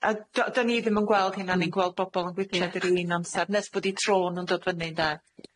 A do- 'dyn ni ddim yn gweld hyn o'n i'n gweld bobol yn gwitsiad yr un amsar nes bod 'u trô nhw'n dod fyny ynde?